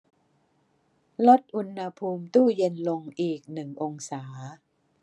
ลดอุณหภูมิตู้เย็นลงอีกหนึ่งองศา